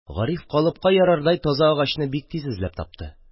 Гариф калыпка ярардай таза агачны бик тиз эзләп тапты